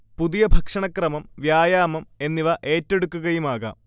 പുതിയ ഭക്ഷണ ക്രമം, വ്യായാമം എന്നിവ ഏറ്റെടുക്കുകയും ആകാം